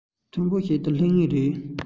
མཐོན པོ ཞིག ཏུ སླེབས ངེས རེད